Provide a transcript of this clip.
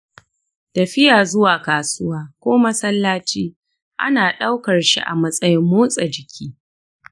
tafiya zuwa kasuwa ko masallaci ana ɗaukar shi a matsayin motsa jiki.